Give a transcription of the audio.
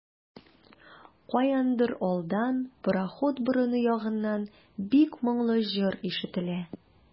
Каяндыр алдан, пароход борыны ягыннан, бик моңлы җыр ишетелә.